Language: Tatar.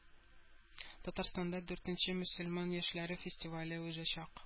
Татарстанда дүртенче мөселман яшьләре фестивале узачак